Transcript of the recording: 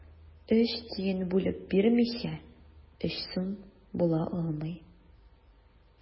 Өч тиен бүлеп бирмичә, өч сум була алмый.